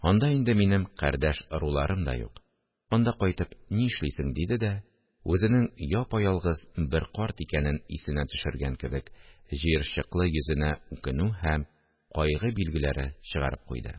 Анда инде минем кардәш-ыруларым да юк, анда кайтып нишлисең? – диде дә, үзенең япа-ялгыз бер карт икәнен исенә төшергән кебек, җыерчыклы йөзенә үкенү һәм кайгы билгеләре чыгарып куйды